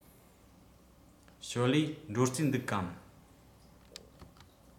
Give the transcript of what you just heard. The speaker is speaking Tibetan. ཞའོ ལིའི འགྲོ རྩིས འདུག གམ